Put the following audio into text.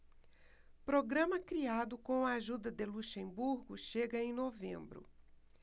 programa criado com a ajuda de luxemburgo chega em novembro